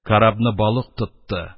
Карабны балык тотты